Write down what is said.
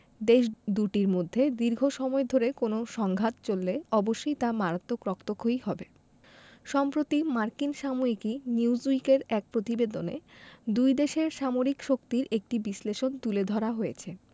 দেশ দুটির মধ্যে দীর্ঘ সময় ধরে কোনো সংঘাত চললে অবশ্যই তা মারাত্মক রক্তক্ষয়ী হবে সম্প্রতি মার্কিন সাময়িকী নিউজউইকের এক প্রতিবেদনে দুই দেশের সামরিক শক্তির একটি বিশ্লেষণ তুলে ধরা হয়েছে